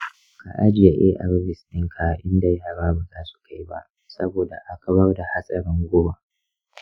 ka ajiye arvs ɗinka inda yara bazasu kai ba, saboda a kawar da hatsarin guba.